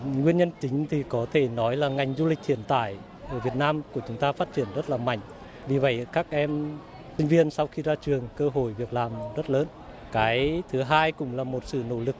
nguyên nhân chính thì có thể nói là ngành du lịch hiện tại ở việt nam của chúng ta phát triển rất mạnh vì vậy các em sinh viên sau khi ra trường cơ hội việc làm rất lớn cái thứ hai cũng là một sự nỗ lực